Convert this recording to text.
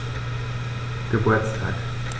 Geburtstag